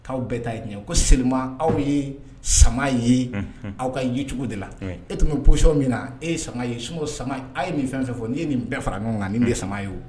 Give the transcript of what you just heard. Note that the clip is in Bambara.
K'aw bɛɛ ta ye diɲɛ ko seulement aw ye sama ye, unhun, aw ka yecogo de la, un, e tun bɛ position min na e ye sama ye sinon sama a ye nin fɛn o fɛn fɔ n'i ye nin bɛɛ fara ɲɔgɔn kan nin de sama ye o